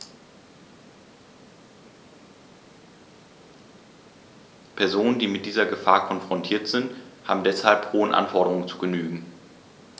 Personen, die mit dieser Gefahr konfrontiert sind, haben deshalb hohen Anforderungen zu genügen.